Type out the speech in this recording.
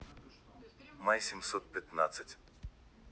my семьсот пятнадцать